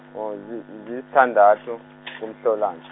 zi- zisithandathu, kuMhlolanja.